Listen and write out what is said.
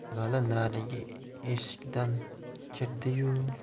vali narigi eshikdan kirdi yu